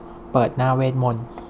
เปิดหน้าเวทมนต์